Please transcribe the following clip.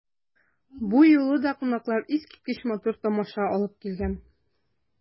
Бу юлы да кунаклар искиткеч матур тамаша алып килгән.